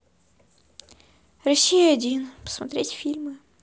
россия один посмотреть фильмы